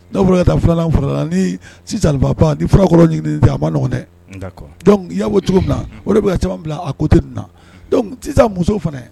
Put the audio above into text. N fɔra taa filanan fara la ni sisan ni furakɔrɔ a nɔgɔ dɛ ya cogo na o de bɛ caman bila a kote sisan musow fana